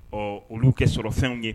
Ɔɔ olu kɛ sɔrɔ fɛnw ye